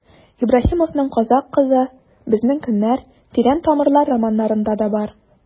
Ибраһимовның «Казакъ кызы», «Безнең көннәр», «Тирән тамырлар» романнарында да бар.